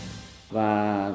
và